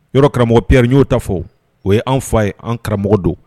Yɔrɔ karamɔgɔpipɛri yo ta fɔ o ye' faa ye an karamɔgɔ don